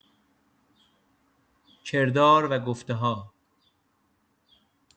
کردار و گفته‌ها